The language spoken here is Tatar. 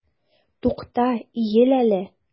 Тукта, иел әле!